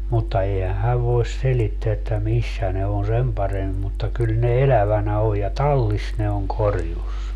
mutta eihän hän voi selittää että missä ne on sen paremmin mutta kyllä ne elävänä on ja tallissa ne on korjussa